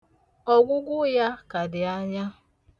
Ọgwụgwụ ya ka dị anyị.